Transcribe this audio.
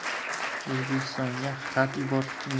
o'zbekistonga xat yuborish